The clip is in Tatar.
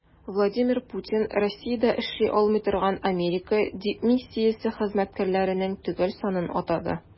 Владимир Путин Россиядә эшли алмый торган Америка дипмиссиясе хезмәткәрләренең төгәл санын атады.